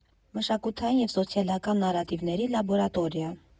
Մշակութային և սոցիալական նարատիվների լաբորատորիա։